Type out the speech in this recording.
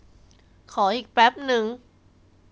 ขออีกแปปนึง